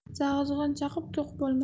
zag'izg'on chaqib to'q bo'lmas